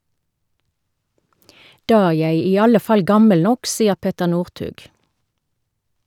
Da er jeg i alle fall gammel nok, sier Petter Northug.